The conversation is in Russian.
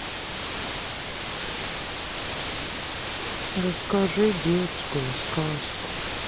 расскажи детскую сказку